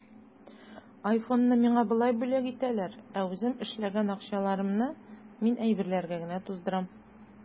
Айфонны миңа болай бүләк итәләр, ә үзем эшләгән акчаларны мин әйберләргә генә туздырам.